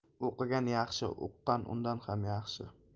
o'qigan yaxshi uqqan undan ham yaxshi